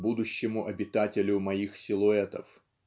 Будущему обитателю моих Силуэтов.